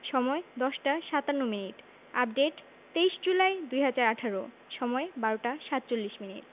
সময়ঃ ১০টা ৫৭ minute update ২৩ July ২০১৮ সময় ১২টা ৪৭ মিনিট